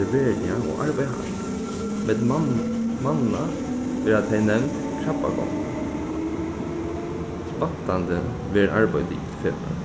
seg veruliga og arbeiða hart millum manna verða tey nevnd væntandi verður arbeiðið liðugt í februar